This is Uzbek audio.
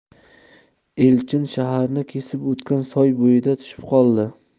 elchin shaharni kesib o'tgan soy bo'yida tushib qoldi